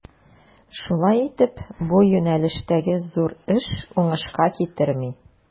Шулай итеп, бу юнәлештәге зур эш уңышка китерми.